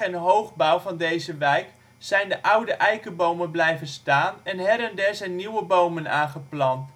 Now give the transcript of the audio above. en hoogbouw van deze wijk zijn de oude eikenbomen blijven staan en her en der zijn nieuwe bomen aangeplant.